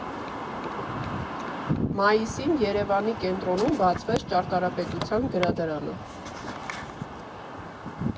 Մայիսին Երևանի կենտրոնում բացվեց Ճարտարապետության գրադարանը։